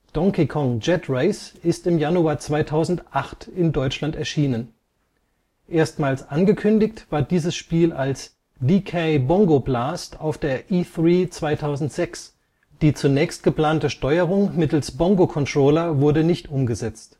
Donkey Kong: Jet Race ist im Januar 2008 in Deutschland erschienen. Erstmals angekündigt war dieses Spiel als DK Bongo Blast auf der E3 2006, die zunächst geplante Steuerung mittels Bongo-Controller wurde nicht umgesetzt